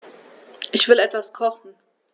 Ich will etwas kochen.